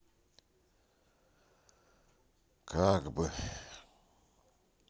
как бы